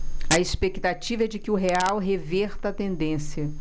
a expectativa é de que o real reverta a tendência